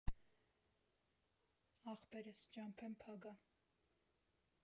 ֊ Ախպերս, ճամփեն փագ ա։